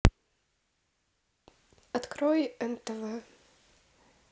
открой нтв